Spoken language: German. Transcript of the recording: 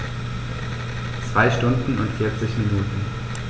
2 Stunden und 40 Minuten